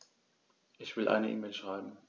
Ich will eine E-Mail schreiben.